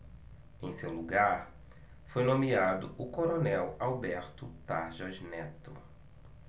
em seu lugar foi nomeado o coronel alberto tarjas neto